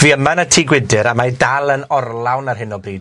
Fi yma yn y tŷ gwydyr, a mae dal yn orlawn ar hyn o bryd.